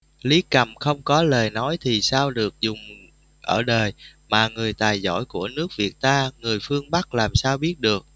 lý cầm không có lời nói thì sao được dùng ở đời mà người tài giỏi của nước việt ta người phương bắc làm sao biết được